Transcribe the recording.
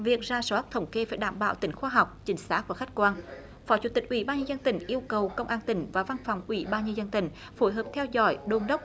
việc rà soát thống kê phải đảm bảo tính khoa học chính xác và khách quan phó chủ tịch ủy ban nhân dân tỉnh yêu cầu công an tỉnh và văn phòng ủy ban nhân dân tỉnh phối hợp theo dõi đôn đốc